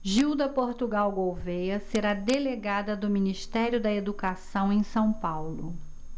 gilda portugal gouvêa será delegada do ministério da educação em são paulo